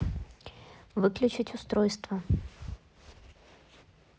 выключить устройство